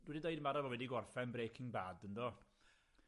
Dwi 'di deud yn barod bo' fi 'di gorffen Breaking Bad yndo?